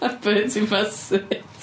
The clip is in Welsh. A Bertie Bassett.